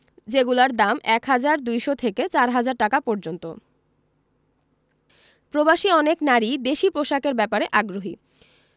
যেগুলোর দাম ১ হাজার ২০০ থেকে ৪ হাজার টাকা পর্যন্ত প্রবাসী অনেক নারীই দেশি পোশাকের ব্যাপারে আগ্রহী